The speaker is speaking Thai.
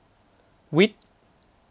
วิทย์